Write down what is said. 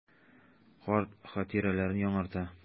Карт хатирәләрен яңарта.